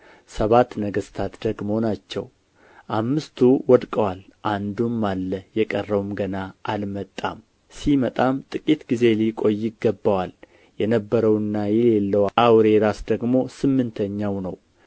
ሰባት ነገሥታት ደግሞ ናቸው አምስቱ ወድቀዋል አንዱም አለ የቀረውም ገና አልመጣም ሲመጣም ጥቂት ጊዜ ሊቆይ ይገባዋል የነበረውና የሌለውም አውሬ ራሱ ደግሞ ስምንተኛው ነው